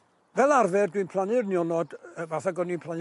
Fel arfer dwi'n plannu'r nionod yy fatha o'n i'n plannu'r pys.